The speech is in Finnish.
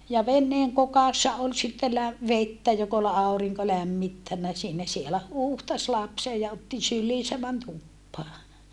ja veneen kokassa oli sitten - vettä joka oli aurinko lämmittänyt siinä siellä huuhtaisi lapsen ja otti syliinsä meni tupaan